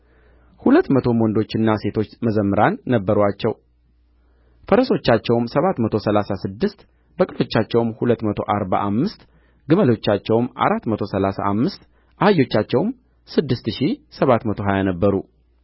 ሁለት መቶም ወንዶችና ሴቶች መዘምራን ነበሩአቸው ፈረሶቻቸውም ሰባት መቶ ሠላሳ ስድስት በቅሎቻቸውም ሁለት መቶ አርባ አምስት ግመሎቻቸውም አራት መቶ ሠላሳ አምስት አህዮቻቸውም ስድስት ሺህ ሰባት መቶ ሀያ ነበሩ